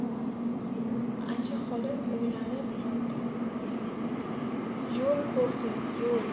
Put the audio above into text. acha xola o'ylanib qoldi yo'l ko'rdem yo'l